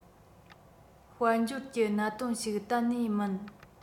དཔལ འབྱོར གྱི གནད དོན ཞིག གཏན ནས མིན